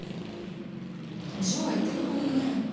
джой ты умная